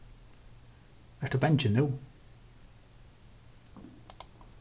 ert tú bangin nú